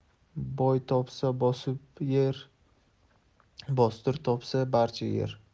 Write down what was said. boy topsa bosib yer botir topsa barcha yer